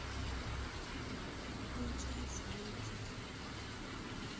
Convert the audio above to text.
получается выучить